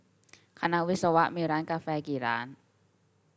คณะวิศวะมีร้านกาแฟกี่ร้าน